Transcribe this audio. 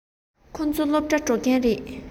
ཁོ ཚོ སློབ གྲྭར འགྲོ མཁན རེད